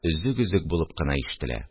Өзек-өзек булып кына ишетелә